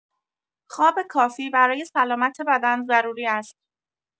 خواب کافی برای سلامت بدن ضروری است.